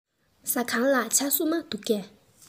ཟ ཁང ལ ཇ སྲུབས མ འདུག གས